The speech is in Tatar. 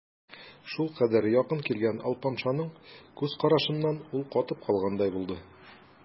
Шулкадәр якын килгән алпамшаның күз карашыннан ул катып калгандай булды.